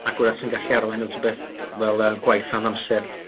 Ac 'w'rach sy'n gallu arwain at rwbeth fe- fel yy gwaith llawn amser